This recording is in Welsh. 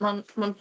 Mae'n mae'n...